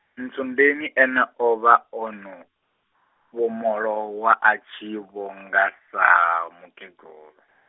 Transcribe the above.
Ntsundeni ene o vha o no, fhomolowa a tshi vho nga sa, mukegulu.